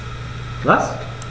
Was?